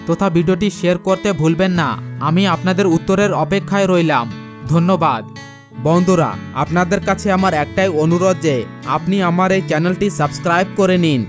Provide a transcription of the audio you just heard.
তথা ভিডিওটি শেয়ার করতে ভুলবেন না আমি আপনাদের উত্তরের অপেক্ষায় রইলাম ধন্যবাদ বন্ধুরা আপনাদের কাছে আমার একটাই অনুরোধ যে আপনি আমার এই চ্যানেলটি সাবস্ক্রাইব করে নিন